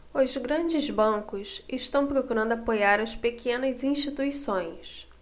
os grandes bancos estão procurando apoiar as pequenas instituições